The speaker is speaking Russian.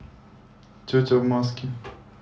тетя в маске